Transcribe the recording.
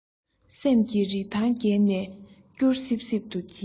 སེམས ཀྱི རི ཐང བརྒལ ནས སྐྱུར སིབ སིབ ཏུ གྱེས